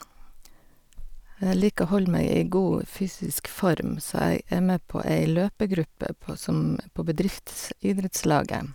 Jeg liker å holde meg i god fysisk form, så jeg er med på ei løpegruppe på som på bedriftsidrettslaget.